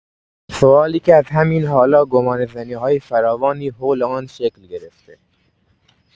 سوالی که از همین حالا گمانه‌زنی‌های فراوانی حول آن شکل گرفته.